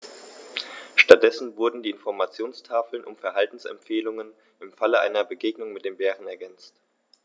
Stattdessen wurden die Informationstafeln um Verhaltensempfehlungen im Falle einer Begegnung mit dem Bären ergänzt.